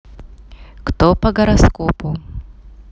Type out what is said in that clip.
кто по гороскопу